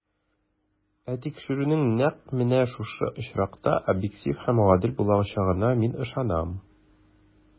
Ә тикшерүнең нәкъ менә шушы очракта объектив һәм гадел булачагына мин ышанам.